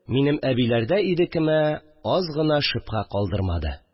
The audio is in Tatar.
Минем әбиләрдә идекемә аз гына шөбһә калдырмады